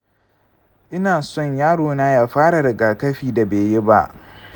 ina son yarona ya fara rigakafin da be yi ba.